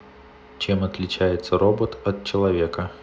чем отличается робот от человека